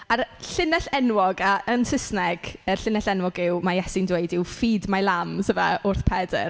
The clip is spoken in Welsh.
A'r yy llinell enwog a- yn Saesneg y llinell enwog yw... mae Iesu'n dweud yw; "feed my lambs" ife, wrth Pedr.